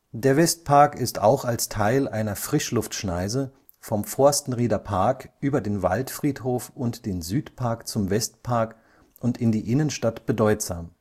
Westpark ist auch als Teil einer Frischluftschneise vom Forstenrieder Park über den Waldfriedhof und den Südpark zum Westpark und in die Innenstadt bedeutsam